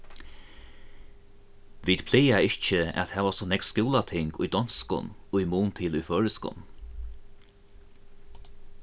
vit plaga ikki at hava so nógv skúlating í donskum í mun til í føroyskum